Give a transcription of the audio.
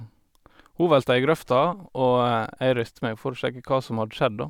Hun velta i grøfta, og jeg reiste meg for å sjekke hva som hadde skjedd, da.